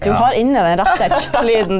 du har inne den rette kj-lyden.